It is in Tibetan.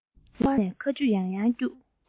ཕོ བ གཟེར ནས ཁ ཆུ ཡང ཡང བསྐྱུགས